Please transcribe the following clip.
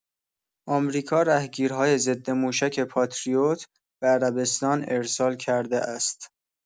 آمریکا رهگیرهای ضدموشک پاتریوت به عربستان ارسال کرده است.